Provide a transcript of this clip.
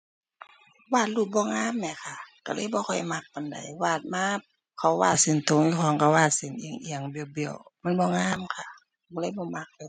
วาดรูปบ่งามแหมค่ะ ก็เลยบ่ค่อยมักปานใด วาดมา เขาวาดเส้นตรงเจ้าของก็วาดเส้นเอียงเอียงเบี้ยวเบี้ยว มันบ่งามค่ะ เลยบ่มักเลย